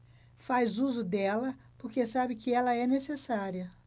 faz uso dela porque sabe que ela é necessária